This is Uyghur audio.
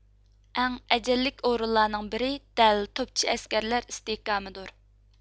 ئەڭ ئەجەللىك ئورۇنلارنىڭ بىرى دەل توپچى ئەسكەرلەر ئىستىھكامىدۇر